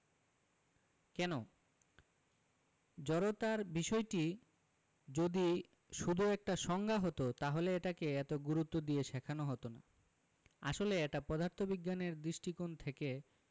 কেন জড়তার বিষয়টি যদি শুধু একটা সংজ্ঞা হতো তাহলে এটাকে এত গুরুত্ব দিয়ে শেখানো হতো না আসলে এটা পদার্থবিজ্ঞানের দৃষ্টিকোণ থেকে